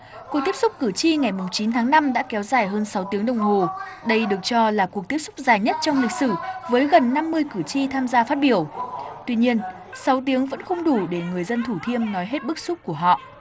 cuộc tiếp xúc cử tri ngày mùng chín tháng năm đã kéo dài hơn sáu tiếng đồng hồ đây được cho là cuộc tiếp xúc dài nhất trong lịch sử với gần năm mươi cử tri tham gia phát biểu tuy nhiên sáu tiếng vẫn không đủ để người dân thủ thiêm nói hết bức xúc của họ